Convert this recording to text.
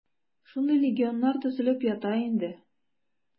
Шундый легионнар төзелеп ята инде.